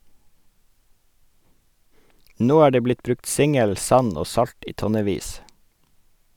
Nå er det blitt brukt singel, sand og salt i tonnevis.